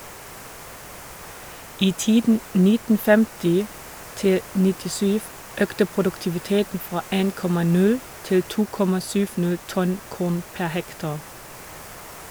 I tiden 1950 - 97 økte produktiviteten fra 1,0 til 2,70 tonn korn pr. hektar.